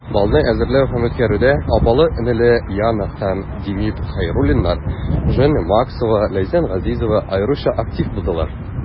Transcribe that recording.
Балны әзерләү һәм үткәрүдә апалы-энеле Яна һәм Демид Хәйруллиннар, Женя Максакова, Ләйсән Газизова аеруча актив булдылар.